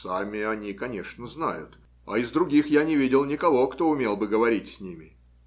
- Сами они, конечно, знают, а из других я не видел никого, кто умел бы творить с ними.